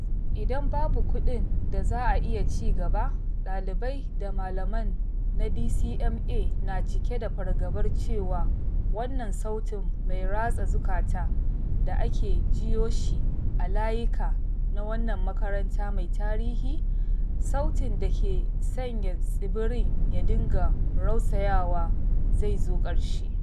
Idan babu kuɗin da za a iya cigaba, ɗalibai da malaman na DCMA na cike da fargabar cewa wannan sautin mai ratsa zukata da ake jiyo shi a layika na wannan makaranta mai tarihi, sautin da ke sanya tsibirin ya dinga rausayawa zai zo ƙarshe.